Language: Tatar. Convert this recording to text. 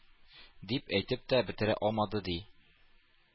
Дип әйтеп тә бетерә алмады, ди,